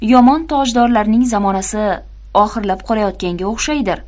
yomon tojdorlarning zamonasi oxirlab qolayotganga o'xshaydir